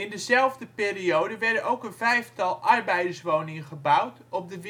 dezelfde periode werden ook een vijftal arbeiderswoningen gebouwd op de